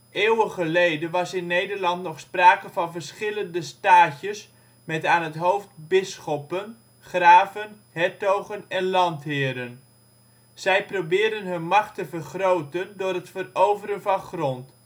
Eeuwen geleden was in Nederland nog sprake van verschillende staatjes met aan het hoofd bisschoppen, graven, hertogen en landheren. Zij probeerden hun macht te vergroten door het veroveren van grond